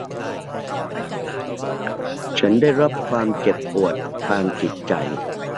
ฉันได้รับความเจ็บปวดทางจิตใจ